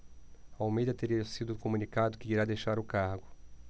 almeida teria sido comunicado que irá deixar o cargo